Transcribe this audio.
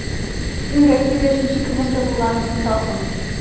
Син Россиядә өченче көн нәрсә булганын онытасың.